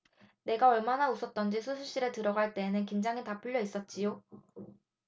내가 얼마나 웃었던지 수술실에 들어갈 때에는 긴장이 다 풀려 있었지요